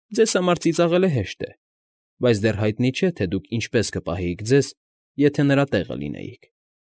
Ձեզ համար ծիծաղելը հեշտ է, բայց դեռ հայտնի չէ, թե դուք ինչպես կպահեիք ձեզ, եթե նրա տեղը լինեիք։